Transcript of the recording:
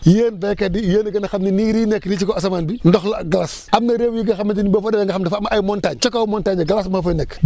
yéen béykat yi yéen a gën a xam ni niir yii nekk nii ci kaw asamaan bi ndox la ak glace am na réew yi nga xamante ni boo fa demee nga xam dafa am ay montagnes ca kaw montagnes ya glace moo fay nekk